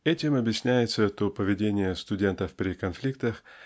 Этим объясняется то поведение студентов при конфликтах